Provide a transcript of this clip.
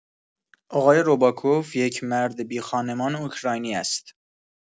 آقای رباکوف، یک مرد بی‌خانمان اوکراینی است.